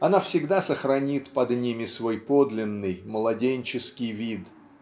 она всегда сохранит под ними свой подлинный младенческий вид